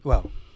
waaw